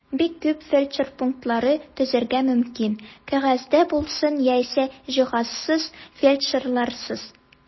Бик күп фельдшер пунктлары төзергә мөмкин (кәгазьдә булсын яисә җиһазсыз, фельдшерларсыз).